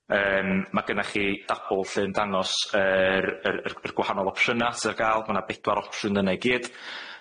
Yym, ma' gynnach chi dabl lly yn dangos yr yr yr gwahanol opsiyna sydd ar ga'l. Ma' 'na bedwar opsiwn yna i gyd.